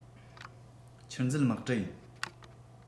ཆུར འཛུལ དམག གྲུ ཡིན